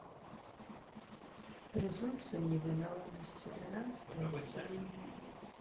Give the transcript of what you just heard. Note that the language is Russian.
презумпция невиновности двенадцатая серия